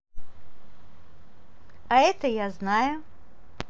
а я это знаю